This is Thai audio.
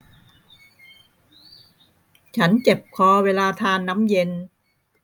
ฉันเจ็บคอเวลาทานน้ำเย็น